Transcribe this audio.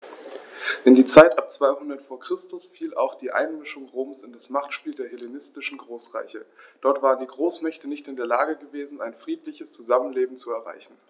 In die Zeit ab 200 v. Chr. fiel auch die Einmischung Roms in das Machtspiel der hellenistischen Großreiche: Dort waren die Großmächte nicht in der Lage gewesen, ein friedliches Zusammenleben zu erreichen.